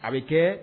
A bɛ kɛ